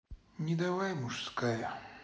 ну давай мужская